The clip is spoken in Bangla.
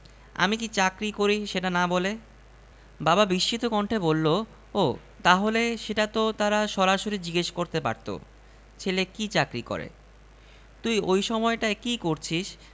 আমি কী চাকরি করি সেটা না বলে বাবা বিস্মিত কণ্ঠে বলল ও তাহলে সেটা তো তারা সরাসরি জিজ্ঞেস করতে পারত ছেলে কী চাকরি করে তুই ওই সময়টায় কী করছিস